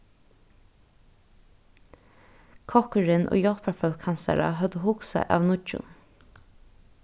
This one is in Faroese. kokkurin og hjálparfólk hansara høvdu hugsað av nýggjum